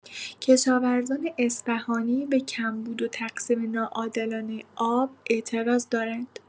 کشاورزان اصفهانی به کمبود و تقسیم ناعادلانه آب اعتراض دارند.